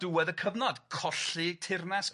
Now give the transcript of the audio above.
Diwedd y cyfnod. Colli teyrnas - colled.